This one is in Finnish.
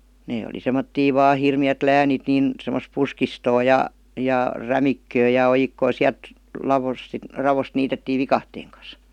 ne oli semmoisia vain hirmeät läänit niin semmoista puskistoa ja ja rämikköä ja ojikkoa sieltä laossa - raosta niitettiin viikatteen kanssa